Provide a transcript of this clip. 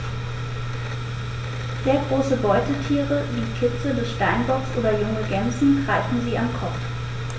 Sehr große Beutetiere wie Kitze des Steinbocks oder junge Gämsen greifen sie am Kopf.